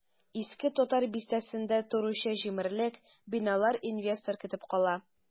Иске татар бистәсендә торучы җимерек биналар инвестор көтеп кала.